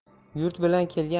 yurt bilan kelgan